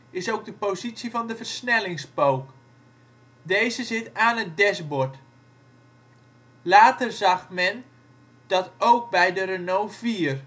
is ook de positie van de versnellingspook. Deze zit aan het dashboard. Later zag men dat ook bij de Renault 4.